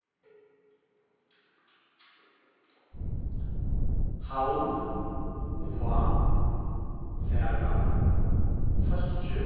havn uppá fara fólki